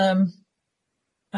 Yym.